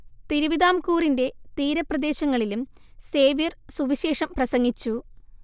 തിരുവിതാംകൂറിന്റെ തീരപ്രദേശങ്ങളിലും സേവ്യർ സുവിശേഷം പ്രസംഗിച്ചു